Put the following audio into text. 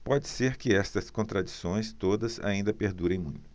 pode ser que estas contradições todas ainda perdurem muito